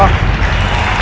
vâng